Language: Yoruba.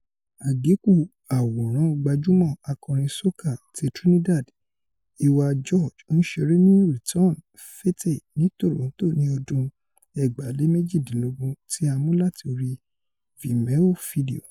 Àgékù àwòrán gbajúmọ̀ akọrin soca ti Trinidad Iwer George ń ṣeré ni Return Fête ní Toronto ní ọdún 2018 tí a mú láti orí Vimeo fídíò.